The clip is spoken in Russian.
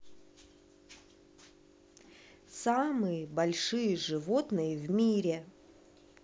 самые большие животные в мире